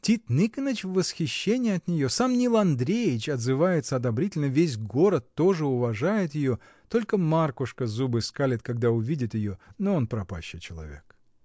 Тит Никоныч в восхищении от нее, сам Нил Андреич отзывается одобрительно, весь город тоже уважает ее, только Маркушка зубы скалит, когда увидит ее, — но он пропащий человек.